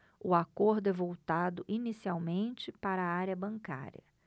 o acordo é voltado inicialmente para a área bancária